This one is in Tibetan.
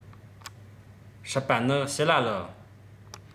སྲིད པ ནི ཤི ལ ལི